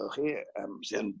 Gwelwch chi yym sy yn